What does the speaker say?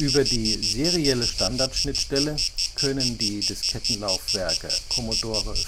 Über die serielle Standardschnittstelle können die Diskettenlaufwerke Commodore